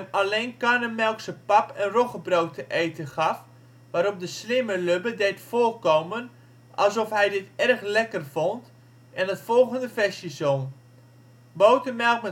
alleen karnemelkse pap en roggebrood te eten gaf, waarop de slimme Lubbe deed voorkomen alsof hij dit erg lekker vond en het volgende versje zong: Botermelk